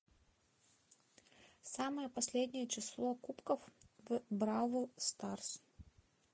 самое последнее число кубков в бравл старс